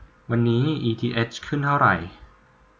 วันนี้อีทีเฮชขึ้นเท่าไหร่